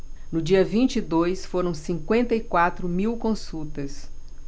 no dia vinte e dois foram cinquenta e quatro mil consultas